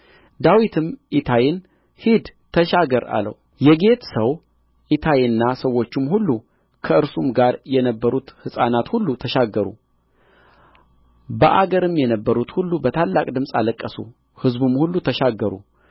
ዳዊትም ኢታይን ሂድ ተሻገር አለው የጌት ሰው ኢታይና ሰዎቹም ሁሉ ከእርሱም ጋር የነበሩት ሕፃናት ሁሉ ተሻገሩ በአገርም የነበሩት ሁሉ በታላቅ ድምፅ አለቀሱ ሕዝቡም ሁሉ ተሻገሩ